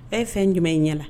Bɛɛ ye fɛn jumɛn in ɲɛ